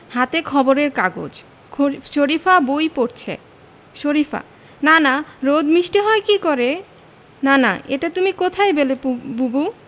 হাতে খবরের কাগজ শরিফা বই পড়ছে শরিফা নানা রোদ মিষ্টি হয় কী করে নানা এটা তুমি কোথায় পেলে বুবু